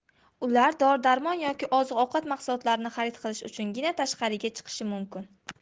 ular dori darmon yoki oziq ovqat mahsulotlarini xarid qilish uchungina tashqariga chiqishi mumkin